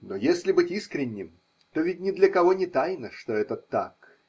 Но если быть искренним, то ведь ни для кого не тайна, что это так.